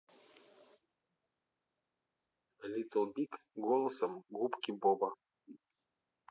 литл биг голосом губки боба